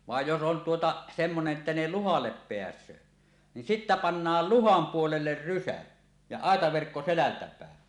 vaan jos on tuota semmoinen että ne luhalle pääsee niin sitten pannaan luhan puolelle rysä ja aitaverkko selältä päin